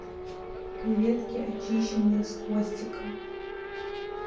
креветки очищенные с хвостиком